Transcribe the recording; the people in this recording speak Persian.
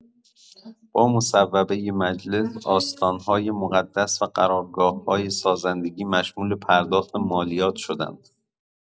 با مصوبه مجلس، آستان‌های مقدس و قرارگاه‌های سازندگی مشمول پرداخت مالیات شدند.